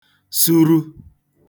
suru